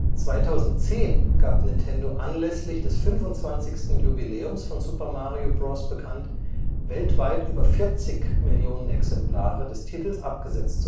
2010 gab Nintendo anlässlich des 25. Jubiläums von Super Mario Bros. bekannt, weltweit über 40 Millionen Exemplare des Titels abgesetzt